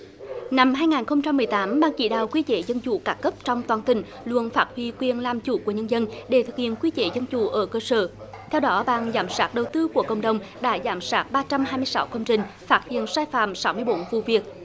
năm hai ngàn không trăm mười tám ban chỉ đạo quy chế dân chủ các cấp trong toàn tỉnh luôn phát huy quyền làm chủ của nhân dân để thực hiện quy chế dân chủ ở cơ sở theo đó ban giám sát đầu tư của cộng đồng đã giám sát ba trăm hai mươi sáu công trình xác nhận sai phạm sáu mươi bốn vụ việc